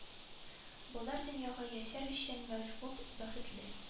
Болар дөньяга яшәр өчен мәсгуд бәхетле